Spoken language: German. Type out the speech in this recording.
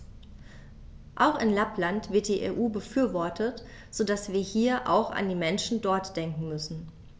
Auch in Lappland wird die EU befürwortet, so dass wir hier auch an die Menschen dort denken müssen.